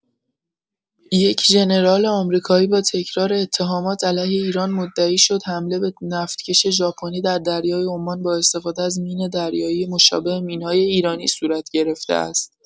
یک ژنرال آمریکایی با تکرار اتهامات علیه ایران مدعی شد حمله به نفتکش ژاپنی در دریای عمان با استفاده از مین دریایی مشابه مین‌های ایرانی صورت گرفته است.